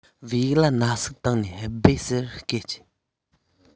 བེའུ ལ ན ཟུག བཏང ནས སྦད ཟེར སྐད རྒྱབ